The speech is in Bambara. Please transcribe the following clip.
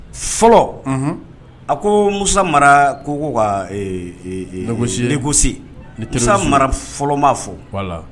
Fɔlɔ a ko musa mara ko ko ka legosi fɔlɔma fo